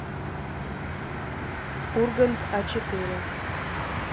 ургант а четыре